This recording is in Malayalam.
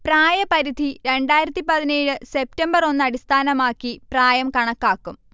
പ്രായപരിധി രണ്ടായിരത്തി പതിനേഴ്സെപ്റ്റംബർ ഒന്ന് അടിസ്ഥാനമാക്കി പ്രായം കണക്കാക്കും